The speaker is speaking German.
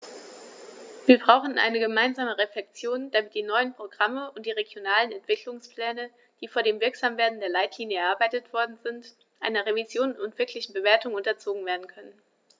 Wir brauchen eine gemeinsame Reflexion, damit die neuen Programme und die regionalen Entwicklungspläne, die vor dem Wirksamwerden der Leitlinien erarbeitet worden sind, einer Revision und wirklichen Bewertung unterzogen werden können.